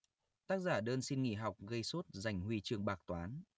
tác giả đơn xin nghỉ học gây sốt giành huy chương bạc toán